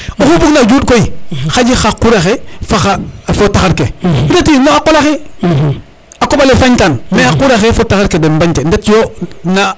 oxu bug na o juuɗ koy xaƴi xa quraxe faxa taxar ke reti naxa qolaxe a koɓale fañ tan mais xa quraxe fo taxar ke den bañte ndet yo